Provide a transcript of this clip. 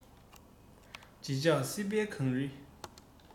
བརྗིད ཆགས སྲིད པའི གངས རི